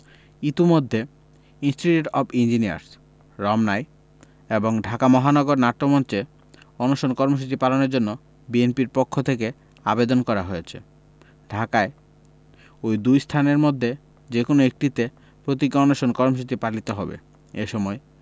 ইতোমধ্যে institute of engineers রমনায় এবং ঢাকা মহানগর নাট্যমঞ্চে অনশন কর্মসূচি পালনের জন্য বিএনপির পক্ষ থেকে আবেদন করা হয়েছে ঢাকায় ওই দুই স্থানের মধ্যে যেকোনো একটিতে প্রতীকী অনশন কর্মসূচি পালিত হবে এ সময়